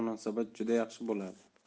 munosabat juda yaxshi bo'ladi